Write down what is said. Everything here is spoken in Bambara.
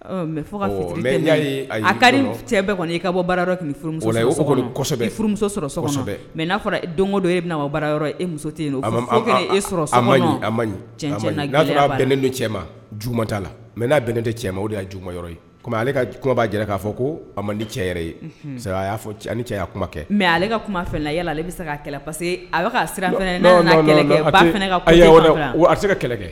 Mɛ cɛ e bɔmusosɛbɛ mɛ n'a fɔra e muso la mɛ n'a bɛnnen tɛ cɛ o deuma kuma b'a jira k'a fɔ ko a ma cɛ ye cɛ mɛ ale ka kuma ale pa a tɛ se ka kɛlɛ kɛ